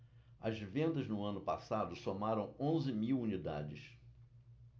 as vendas no ano passado somaram onze mil unidades